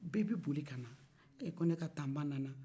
bɛɛ bɛ boli ka na eee ko ne ka tanba nana